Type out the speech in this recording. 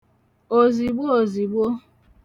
òzìgboòzìgbo